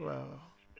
waw waaw